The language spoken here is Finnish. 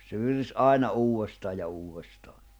se virisi aina uudestaan ja uudestaan